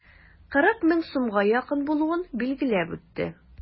40 мең сумга якын булуын билгеләп үтте.